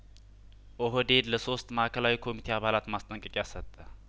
ኦሆ ዴድ ለሶስት ማእከላዊ ኮሚቴ አባላት ማስጠንቀቂያ ሰጠ